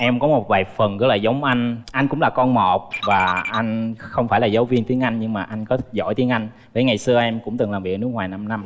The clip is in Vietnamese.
em có một vài phần rất là giống anh anh cũng là con một và anh không phải là giáo viên tiếng anh nhưng mà anh có giỏi tiếng anh với ngày xưa em cũng từng làm việc ở nước ngoài năm năm